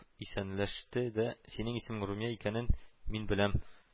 Исәнләштедә, синең исемең румия икәнен мин беләм